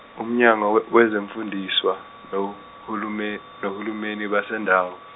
uMnyango we- wezokufundiswa, noHulume- noHulumeni bendawo.